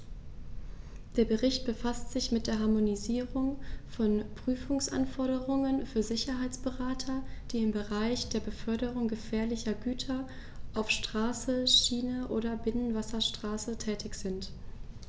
Der Bericht befasst sich mit der Harmonisierung von Prüfungsanforderungen für Sicherheitsberater, die im Bereich der Beförderung gefährlicher Güter auf Straße, Schiene oder Binnenwasserstraße tätig sind.